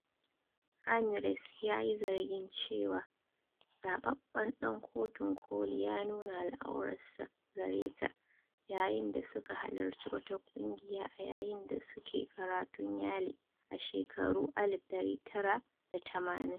Ramirez yayi zargin cewa zababben dan Kotun Kolin ya nuna al'aurarsa gare ta yayin da suka halarci wata ƙungiya a yayin da suke karatun Yale a shekarun 1980.